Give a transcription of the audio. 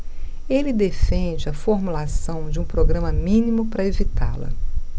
ele defende a formulação de um programa mínimo para evitá-la